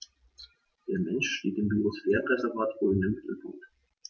Der Mensch steht im Biosphärenreservat Rhön im Mittelpunkt.